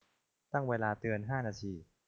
ตั้งเวลาเตือนห้านาที